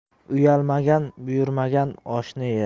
uyalmagan buyurmagan oshni yer